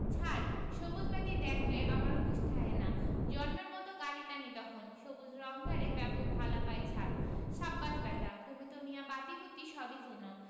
ছার সবুজ বাতি দ্যাখলে আমার হুশ থাহেনা জম্মের মত গাড়ি টানি তহন সবুজ রংডারে ব্যাপক ভালা পাই ছার সাব্বাস ব্যাটা তুমি তো মিয়া বাতিবুতি সবই চেনো